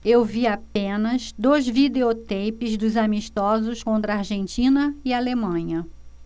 eu vi apenas dois videoteipes dos amistosos contra argentina e alemanha